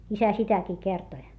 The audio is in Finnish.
isä sitäkin kertoi